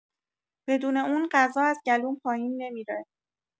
بدون اون غذا از گلوم پایین نمی‌ره!